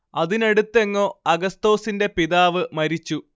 അതിനടുത്തെങ്ങോ അഗസ്തോസിന്റെ പിതാവ് മരിച്ചു